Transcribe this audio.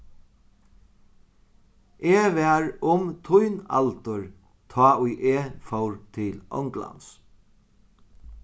eg var um tín aldur tá ið eg fór til onglands